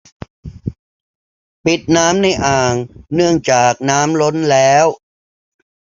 ปิดน้ำในอ่างเนื่องจากน้ำล้นแล้ว